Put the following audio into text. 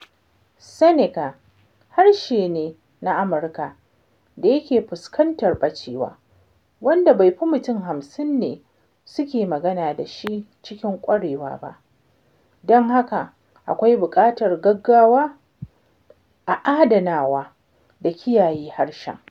Seneca harshe ne na Amurka da yake fuskantar ɓacewa, wanda bai fi mutane 50 ne suke magana da shi cikin ƙwarewa ba, don haka akwai buƙatar gaggawar adanawa da kiyaye harshen.